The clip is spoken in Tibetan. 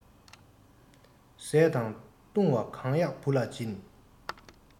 བཟས དང བཏུང བ གང ཡག བུ ལ སྦྱིན